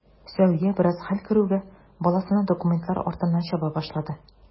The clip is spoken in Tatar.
Сәвия, бераз хәл керүгә, баласына документлар артыннан чаба башлады.